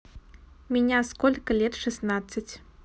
меня сколько лет шестнадцать